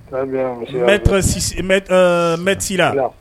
Mti la